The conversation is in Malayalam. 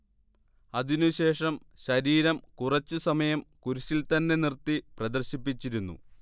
അതിനു ശേഷം ശരീരം കുറച്ചു സമയം കുരിശിൽത്തന്നെ നിർത്തി പ്രദർശിപ്പിച്ചിരുന്നു